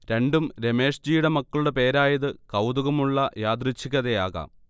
രണ്ടും രമേഷ്ജിയുടെ മക്കളുടെ പേരായത് കൗതുകമുള്ള യാദൃച്ഛികതയാകാം